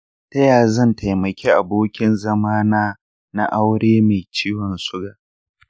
ta ya zan taimaki abokin zama na na aure mai ciwon siga?